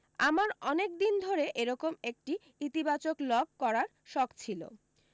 আমার অনেক দিন ধরে এরকম একটি ইতিবাচক লগ করার শখ ছিলো